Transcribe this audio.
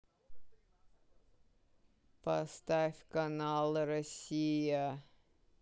поставь канал россия